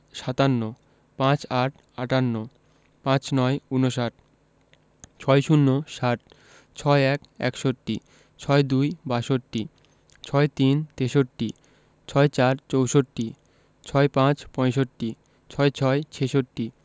সাতান্ন ৫৮ আটান্ন ৫৯ ঊনষাট ৬০ ষাট ৬১ একষট্টি ৬২ বাষট্টি ৬৩ তেষট্টি ৬৪ চৌষট্টি ৬৫ পয়ষট্টি ৬৬ ছেষট্টি